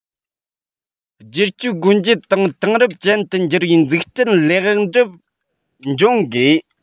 བསྒྱུར བཅོས སྒོ འབྱེད དང དེང རབས ཅན དུ འགྱུར བའི འཛུགས སྐྲུན ལེགས གྲུབ འབྱུང དགོས